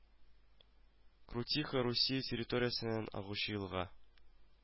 Крутиха Русия территориясеннән агучы елга